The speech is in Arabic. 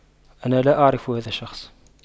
أنا لا أعرف هذا الشخص